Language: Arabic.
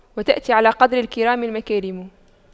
وتأتي على قدر الكرام المكارم